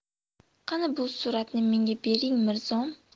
qani bu suratni menga bering mirzom